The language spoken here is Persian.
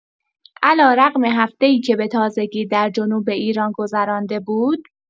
علی‌رغم هفته‌ای که به‌تازگی در جنوب ایران گذرانده بود.